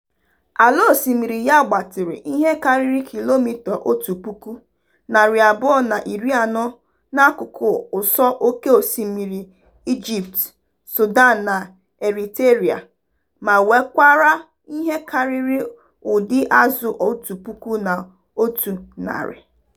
Ala osimiri ya gbatịrị ihe karịrị kilomita otu puku, narị abụọ na iri anọ n'akụkụ ụsọ oke osimiri Ijipt, Sudan na Eriterịa ma nwekwara ihe karịrị ụdị azụ otu puku na otu narị.